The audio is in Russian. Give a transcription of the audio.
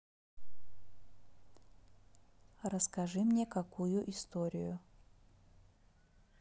расскажи мне какую историю